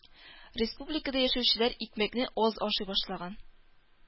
Республикада яшәүчеләр икмәкне аз ашый башлаган